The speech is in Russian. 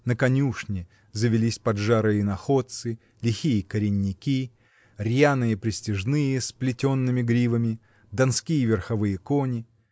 на конюшне завелись поджарые иноходцы, лихие коренники, рьяные пристяжные с плетеными гривами, донские верховые кони